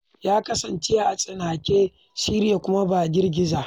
Ya kasance a tsinake, shirye, kuma ba girgiza."